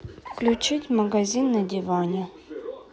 включить магазин на диване